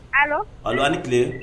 Ala an ni tile